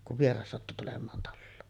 kun vieras sattui tulemaan taloon